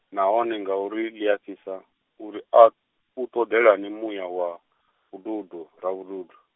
nahone ngauri ḽi a fhisa, uri a, u ṱoḓelani muya wa, vhududu Ravhududo?